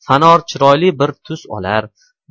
fanor chiroyli bir tus olar